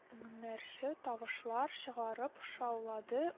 Ңнәрче тавышлар чыгарып шаулады